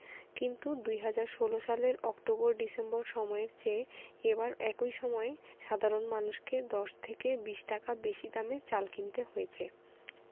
কিন্তু ২০১৬ সালের October December সময়ের চেয়ে এবার একই সময়ে সাধারণ মানুষকে ১০ থেকে ২০ টাকা বেশি দামে চাল কিনতে হয়েছে